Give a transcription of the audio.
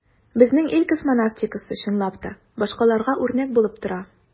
Безнең ил космонавтикасы, чынлап та, башкаларга үрнәк булып тора.